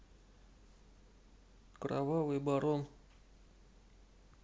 кровавый барон